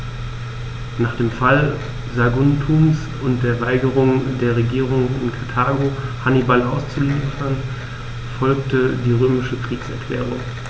Nach dem Fall Saguntums und der Weigerung der Regierung in Karthago, Hannibal auszuliefern, folgte die römische Kriegserklärung.